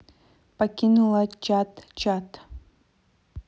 покинула чат чат